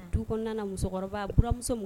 Du kɔnɔna musokɔrɔba bmuso